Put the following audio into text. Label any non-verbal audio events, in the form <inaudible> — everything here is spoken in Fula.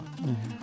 <hesitation> <hesitation>